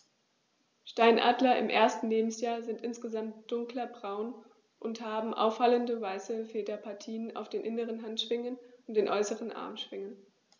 Steinadler im ersten Lebensjahr sind insgesamt dunkler braun und haben auffallende, weiße Federpartien auf den inneren Handschwingen und den äußeren Armschwingen.